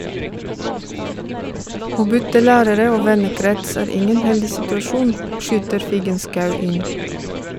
Å bytte lærere og vennekrets er ingen heldig situasjon, skyter Figenschou inn.